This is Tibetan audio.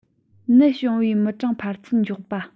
ནད བྱུང བའི མི གྲངས འཕར ཚད མགྱོགས པ